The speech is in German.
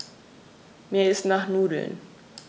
Mir ist nach Nudeln.